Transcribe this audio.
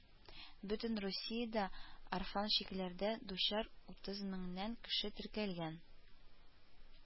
Бүген Русиядә орфан чирләргә дучар утыз меңнән кеше теркәлгән